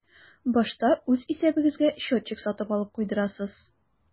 Башта үз исәбегезгә счетчик сатып алып куйдырасыз.